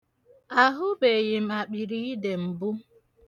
Ahụbeghị akpịriide mbụ.